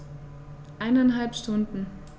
Eineinhalb Stunden